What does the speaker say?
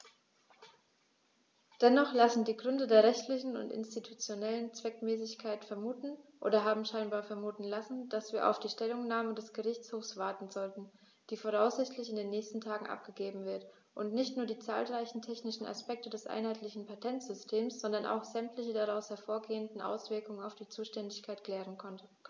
Dennoch lassen die Gründe der rechtlichen und institutionellen Zweckmäßigkeit vermuten, oder haben scheinbar vermuten lassen, dass wir auf die Stellungnahme des Gerichtshofs warten sollten, die voraussichtlich in den nächsten Tagen abgegeben wird und nicht nur die zahlreichen technischen Aspekte des einheitlichen Patentsystems, sondern auch sämtliche daraus hervorgehenden Auswirkungen auf die Zuständigkeit klären könnte.